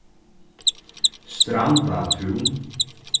strandatún